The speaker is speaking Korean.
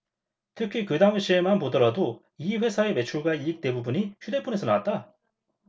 특히 그 당시에만 보더라도 이 회사의 매출과 이익 대부분이 휴대폰에서 나왔다